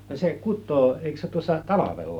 se kutee eikös se tuossa talvella